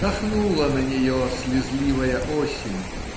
дохнула на нее слезливая осень